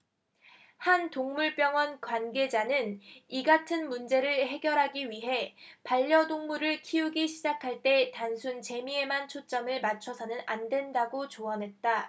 한 동물병원 관계자는 이같은 문제를 해결하기 위해 반려동물을 키우기 시작할 때 단순 재미에만 초점을 맞춰서는 안된다고 조언했다